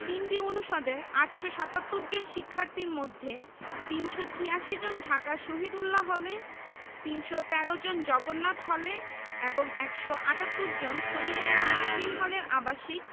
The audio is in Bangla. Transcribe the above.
১৯টি আবাসিক হল ২টি নির্মাণাধীন ৩টি হোস্টেল ও ২৪৭টি ট্রাস্ট ফান্ড রয়েছে বর্তমান শিক্ষকদের প্রায়